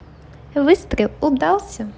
выстрел удался